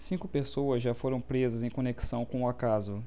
cinco pessoas já foram presas em conexão com o caso